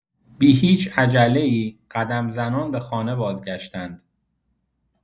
بی‌هیچ عجله‌ای، قدم‌زنان به خانه بازگشتند.